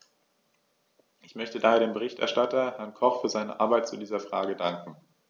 Ich möchte daher dem Berichterstatter, Herrn Koch, für seine Arbeit zu dieser Frage danken.